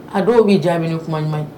A dɔw b'i jaabi ni kuma ɲuman ye